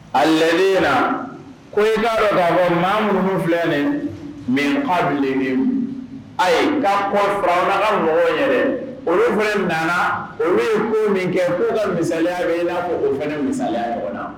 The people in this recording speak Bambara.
Alɛsina ko i k'a dɔn ka fɔ maa minnu n'u filɛ nin ye minkadilihim ayi ka kɔn Firawuna ka mɔgɔw ɲɛ dɛ olu filɛ nanaa olu ye ko min kɛ k'o ka misaliya bɛ ina fɔ o fana misaliya ɲɔgɔn na